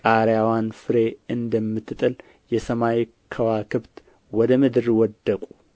ቃርያዋን ፍሬ እንደምትጥል የሰማይ ከዋክብት ወደ ምድር ወደቁ